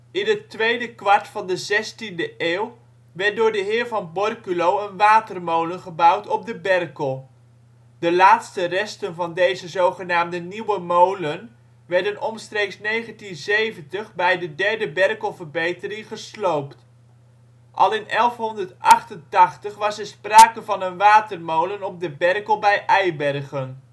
In het tweede kwart van de 16e eeuw werd door de heer van Borculo een watermolen gebouwd op de Berkel. De laatste resten van deze zogenaamde Nieuwe Molen werden omstreeks 1970 bij de derde Berkelverbetering gesloopt. Al in 1188 was er sprake van een watermolen op de Berkel bij Eibergen